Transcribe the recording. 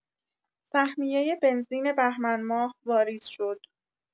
سهمیه بنزین بهمن‌ماه واریز شد.